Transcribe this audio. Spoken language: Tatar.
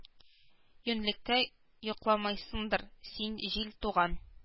Юньлелеккә йокламыйсыңдыр син җил туган